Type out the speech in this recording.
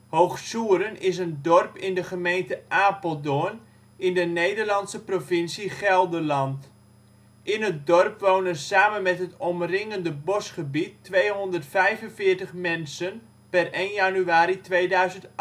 Hoog Soeren is een dorp in de gemeente Apeldoorn, in de Nederlandse provincie Gelderland. In het dorp wonen samen met het omringende bosgebied 245 mensen (1 januari 2008